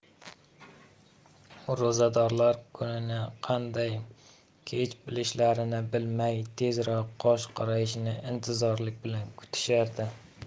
ro'zadorlar kunni qanday kech qilishlarini bilmay tezroq qosh qorayishini intizorlik bilan kutishardi